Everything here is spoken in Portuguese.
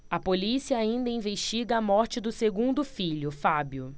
a polícia ainda investiga a morte do segundo filho fábio